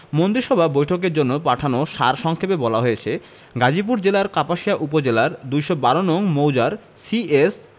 মন্ত্রিসভা বৈঠকের জন্য পাঠানো সার সংক্ষেপে বলা হয়েছে গাজীপুর জেলার কাপাসিয়া উপজেলার ২১২ নং মৌজার সি এস